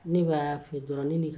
Ne b'aa fɛ dɔrɔn ne n'i k